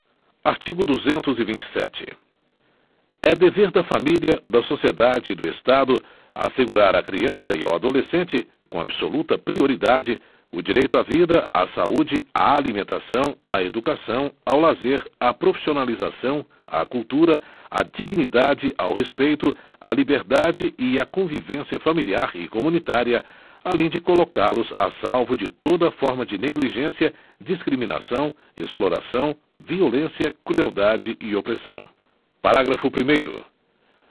artigo duzentos e vinte e sete é dever da família da sociedade e do estado assegurar à criança e ao adolescente com absoluta prioridade o direito à vida à saúde à alimentação à educação ao lazer à profissionalização à cultura à dignidade ao respeito à liberdade e à convivência familiar e comunitária além de colocá los a salvo de toda forma de negligência discriminação exploração violência crueldade e opressão parágrafo primeiro